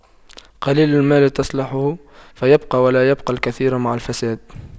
قليل المال تصلحه فيبقى ولا يبقى الكثير مع الفساد